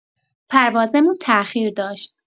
پروازمون تاخیر داشت.